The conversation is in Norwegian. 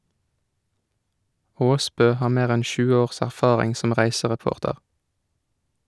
Aasbø har mer enn 20 års erfaring som reisereporter.